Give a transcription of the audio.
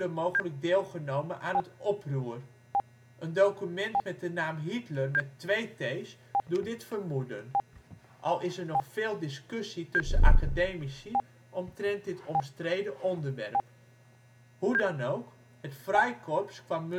mogelijk deelgenomen aan het oproer. Een document met de naam Hittler (met 2 t 's) doet dit vermoeden, al is er nog veel discussie tussen academici omtrent dit omstreden onderwerp. Hoe dan ook, het Freikorps kwam